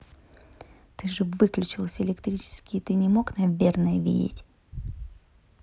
ты же выключился электрический ты не мог наверное видеть